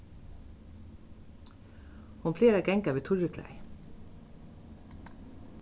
hon plagar at ganga við turriklæði